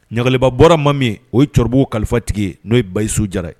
Ɲagaliba bɔra maa min ye o ye Coribugu kalifa tigi ye n'o ye Bahisu Diarra ye